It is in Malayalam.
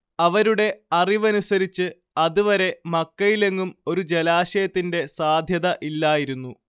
അവരുടെ അറിവനുസരിച്ച് അത് വരെ മക്കയിലെങ്ങും ഒരു ജലാശയത്തിന്റെ സാധ്യത ഇല്ലായിരുന്നു